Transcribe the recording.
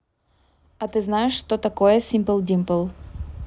а ты знаешь что такое simple dimple